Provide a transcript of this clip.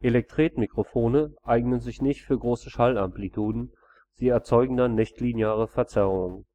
Elektretmikrofone eignen sich nicht für große Schallamplituden – sie erzeugen dann nichtlineare Verzerrungen